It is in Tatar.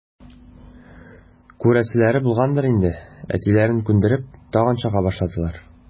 Күрәселәре булгандыр инде, әтиләрен күндереп, тагын чыга башладылар.